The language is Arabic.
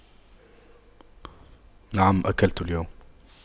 نعم أكلت اليوم